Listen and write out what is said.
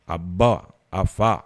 A ba, a fa.